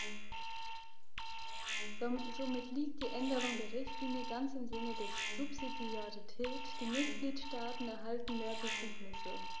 Somit liegt die Änderung der Richtlinie ganz im Sinne der Subsidiarität; die Mitgliedstaaten erhalten mehr Befugnisse.